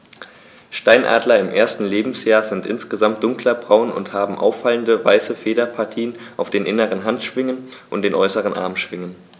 Steinadler im ersten Lebensjahr sind insgesamt dunkler braun und haben auffallende, weiße Federpartien auf den inneren Handschwingen und den äußeren Armschwingen.